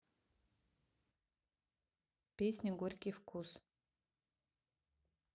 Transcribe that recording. песня горький вкус